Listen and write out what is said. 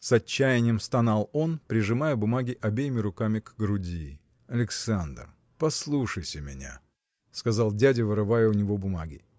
– с отчаянием стонал он, прижимая бумаги обеими руками к груди. – Александр послушайся меня – сказал дядя вырывая у него бумаги